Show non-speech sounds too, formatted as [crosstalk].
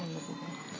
[hesitation] [hesitation]